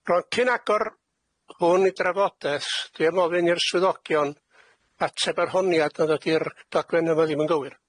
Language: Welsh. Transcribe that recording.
Rŵan cyn agor hwn i drafodeth, dwi am ofyn i'r swyddogion ateb yr honiad nad ydi'r dogfen yma ddim yn gywir.